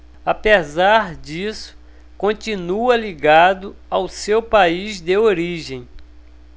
apesar disso continua ligado ao seu país de origem